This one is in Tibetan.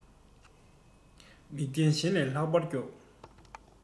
མིག ལྡན གཞན ལས ལྷག པར མགྱོགས